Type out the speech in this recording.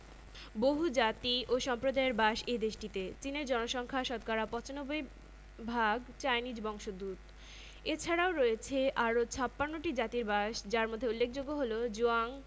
দেশটির রাজধানী নয়াদিল্লী পৃথিবীর প্রাচীন ও সভ্যতার নিদর্শন পাওয়া গেছে এ দেশটিতে দক্ষিন ভারতে অজন্তা পর্বতগুহার চিত্রকর্ম সারা দেশে ছড়িয়ে থাকা অজস্র প্রাচীন মন্দির ও ভাস্কর্য